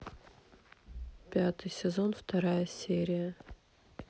пятый сезон вторая серия